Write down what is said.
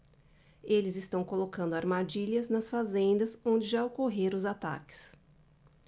eles estão colocando armadilhas nas fazendas onde já ocorreram os ataques